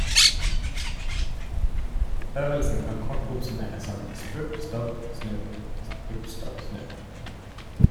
Øvelsen kan kort oppsummeres som "spurt, stopp, snu; spurt, stopp, snu".